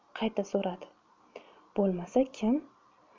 qayta so'radi bo'lmasa kim